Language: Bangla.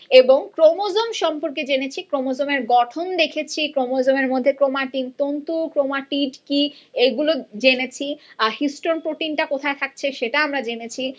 এবং ক্রোমোজোম সম্পর্কে জেনেছি ক্রোমোজোমের গঠন দেখেছি ক্রোমোজোমের মধ্যে ক্রোমাটিন তন্তু ক্রোমাটিড কি এগুলো জেনেছি হিস্টোন প্রোটিন টা কোথায় থাকছে সেটা আমরা জেনেছি